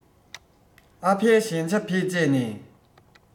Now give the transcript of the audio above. ཨ ཕའི གཞན ཆ བེད སྤྱད ནས